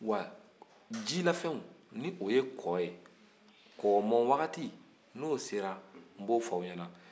wa ji la fɛnw nin o ye kɔ ye kɔ mɔ waati n'o sera n b'o f'aw ɲɛna